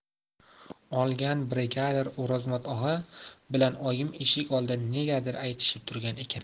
olgan brigadir o'rozmat og'a bilan oyim eshik oldida negadir aytishib turgan ekan